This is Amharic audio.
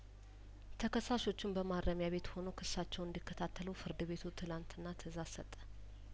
ተከሳሾቹም በማረሚያቤት ሆነው ክሳቸውን እንዲ ከታተሉ ፍርድ ቤቱ ትላንትና ትእዛዝ ሰጠ